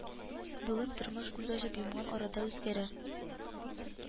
Бүген тормыш күз ачып йомган арада үзгәрә